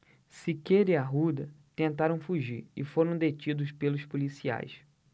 siqueira e arruda tentaram fugir e foram detidos pelos policiais